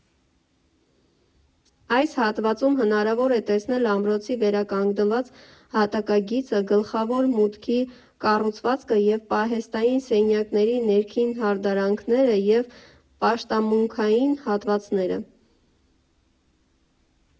Այս հատվածում հնարավոր է տեսնել ամրոցի վերականգնված հատակագիծը, գլխավոր մուտքի կառուցվածքը և պահեստային սենյակների ներքին հարդարանքները և պաշտամունքային հատվածները։